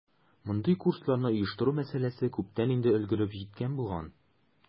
Мондый курсларны оештыру мәсьәләсе күптән инде өлгереп җиткән булган.